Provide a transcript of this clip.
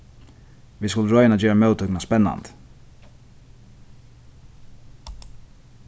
vit skulu royna at gera móttøkuna spennandi